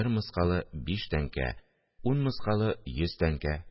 Бер мыскалы биш тәңкә, ун мыскалы йөз тәңкә